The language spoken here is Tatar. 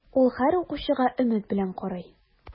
Ул һәр укучыга өмет белән карый.